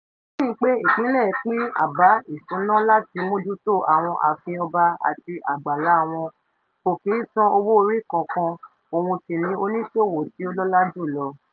@charquaoia: Lẹ́yìn pé ìpínlẹ̀ pín àbá ìsúná láti mójútó àwọn ààfin ọba àti àgbàlá wọn, kò kìí san owó orí kankan, òun sì ni oníṣòwò tí ó lọ́lá jùlọ.